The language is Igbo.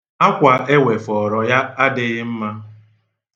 Akwa e ewefọorọ ya adịghị mma